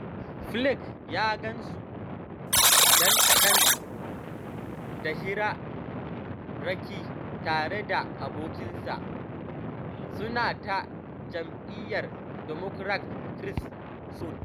Flake ya gamsu ɗan kaɗan da hirarraki tare da abokinsa, Sanatan jam’iyyar Democrat Chris Coons.